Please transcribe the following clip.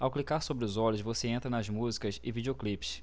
ao clicar sobre os olhos você entra nas músicas e videoclipes